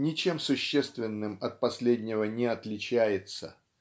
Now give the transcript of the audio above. ничем существенным от последнего не отличается.